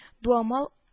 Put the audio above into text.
Дуамал